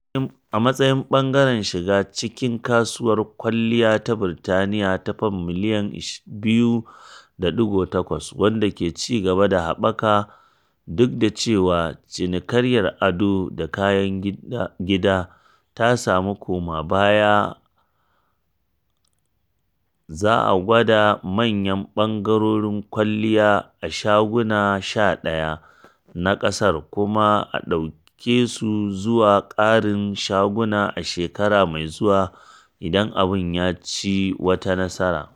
A matsayin ɓangaren shiga cikin kasuwar kwalliya ta Birtaniyya ta Fam biliyan 2.8, wadda ke ci gaba da haɓaka duk da cewa cinikayyar ado da kayan gida ta sami koma baya, za a gwada manyan ɓangarorin kwalliya a shaguna 11 na kasar kuma a ɗauke su zuwa ƙarin shaguna a shekara mai zuwa idan abin ya ci wata nasara.